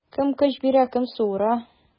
Кем көч бирә, кем суыра.